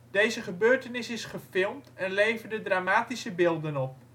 Deze gebeurtenis is gefilmd en leverde dramatische beelden op